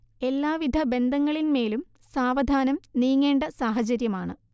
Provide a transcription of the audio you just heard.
എല്ലാ വിധ ബന്ധങ്ങളിന്മേലും സാവധാനം നീങ്ങേണ്ട സാഹചര്യമാണ്